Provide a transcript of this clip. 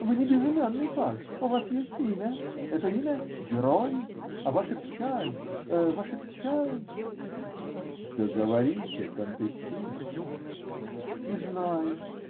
-- Вы не безымянный паж, у вас есть имя: это имя -- герой, а ваша печаль. ваша печаль. -- Договорите, контессина. -- Не знаю.